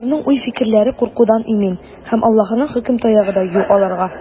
Аларның уй-фикерләре куркудан имин, һәм Аллаһының хөкем таягы да юк аларга.